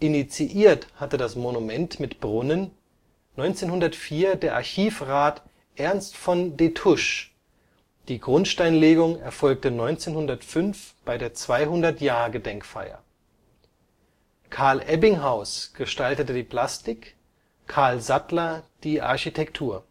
Initiiert hatte das Monument mit Brunnen 1904 der Archivrat Ernst von Destouches, die Grundsteinlegung erfolgte 1905 bei der 200-Jahr-Gedenkfeier. Carl Ebbinghaus gestaltete die Plastik, Carl Sattler die Architektur.